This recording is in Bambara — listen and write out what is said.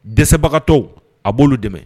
Dɛsɛbagatɔ a b' dɛmɛ